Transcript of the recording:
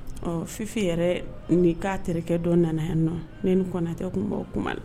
Ɔ fifi yɛrɛ ni k'a terikɛ dɔ nana yan nɔ ni ni kɔntɛ tun' kuma